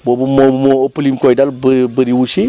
boobu moom moo ëpp lim koy dal ba bëri wu si